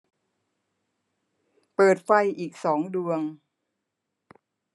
เปิดไฟอีกสองดวง